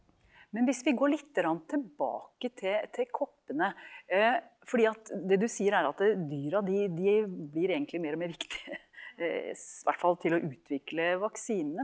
men hvis vi går lite grann tilbake til til koppene fordi at det du sier er at dyra de de blir egentlig mer og mer viktig hvert fall til å utvikle vaksinene.